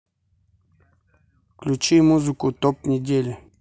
включи музыку топ недели